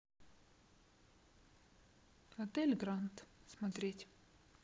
отель грант смотреть